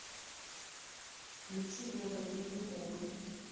включи лего фильм окко